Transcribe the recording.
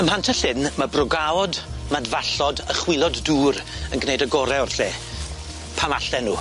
Yn Pant y Llyn, ma' brogaod, madfallod, y chwilod dŵr yn gneud y gore o'r lle, pan allen nhw.